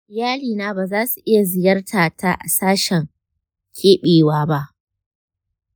iyalina ba za su iya ziyartata a sashen keɓewa ba.